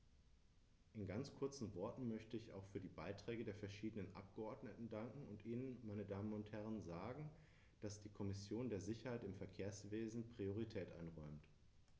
In ganz kurzen Worten möchte ich auch für die Beiträge der verschiedenen Abgeordneten danken und Ihnen, meine Damen und Herren, sagen, dass die Kommission der Sicherheit im Verkehrswesen Priorität einräumt.